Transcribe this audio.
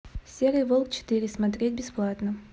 серый волк четыре смотреть бесплатно